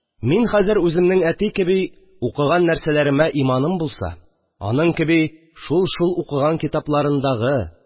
Мин хәзер үземнең әти кеби укыган нәрсәләремә иманым булса, аның кеби шул-шул укыган китапларындагы